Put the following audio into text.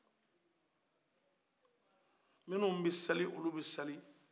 minnuw bɛ seli olu bɛ seli